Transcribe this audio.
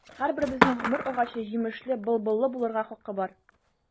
Һәрберебезнең гомер агачы җимешле, былбыллы булырга хакы бар.